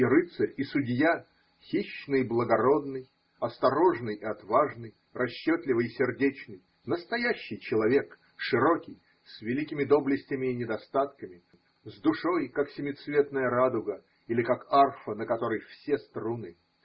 и рыцарь, и судья, хищный и благородный, осторожный и отважный, расчетливый и сердечный – настоящий человек, широкий, с великими доблестями и недостатками, с душой, как семицветная радуга, или как арфа, на которой все струны.